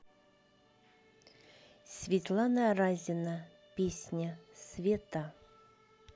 светлана разина песня света